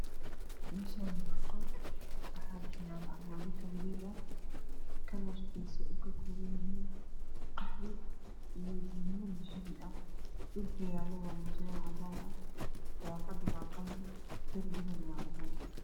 Halkan waa qol kalar kisi waa cadan dhulka waa cadan waxaa yalo armaajo kalar kedo waa qahwi